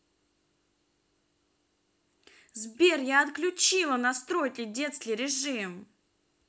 сбер я отключила настройки детский режим